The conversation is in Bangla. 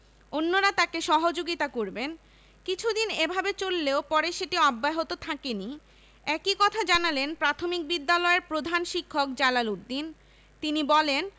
অন্যরা তাঁকে সহযোগিতা করবেন কিছুদিন এভাবে চললেও পরে সেটি অব্যাহত থাকেনি একই কথা জানালেন মাধ্যমিক বিদ্যালয়ের প্রধান শিক্ষক জালাল উদ্দিন তিনি বলেন